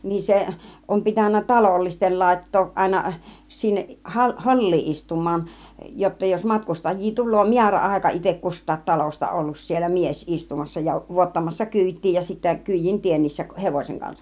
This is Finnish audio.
niin se on pitänyt talollisten laittaa aina sinne - holli istumaan jotta jos matkustajia tulee määräaika itse kustakin talosta ollut siellä mies istumassa ja vuottamassa kyytiä ja sitten kyydin teennissä hevosen kanssa